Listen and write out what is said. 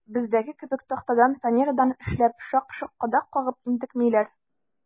Бездәге кебек тактадан, фанерадан эшләп, шак-шок кадак кагып интекмиләр.